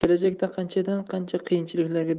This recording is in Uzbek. kelajakda qanchadan qancha qiyinchiliklarga